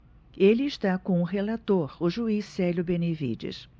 ele está com o relator o juiz célio benevides